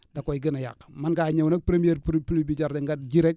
da koy gën a yàq mën ngaa ñëw nag première pluie pluie bi jar rek nga ji rek